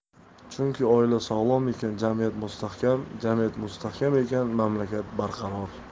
chunki oila sog'lom ekan jamiyat mustahkam jamiyat mustahkam ekan mamlakat barqaror